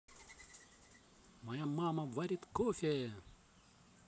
моя мама варит кофе